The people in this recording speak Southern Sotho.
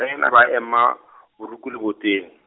-yana ba ema , boroku leboteng.